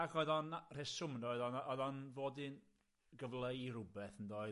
Ac oedd o'n reswm yndoedd, oedd o'n oedd o'n fod i gyfleu rywbeth yndoedd?